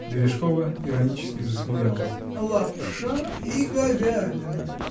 Бережкова иронически засмеялась. — Лапша и говядина!